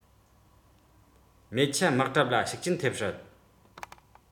སྨད ཆ དམག གྲབས ལ ཤུགས རྐྱེན ཐེབས སྲིད